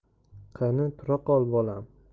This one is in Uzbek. qani tura qol bolam